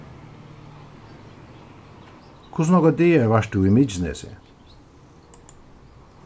hvussu nógvar dagar vart tú í mykinesi